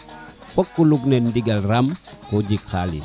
foko log nel ndigal ramko jeg xalis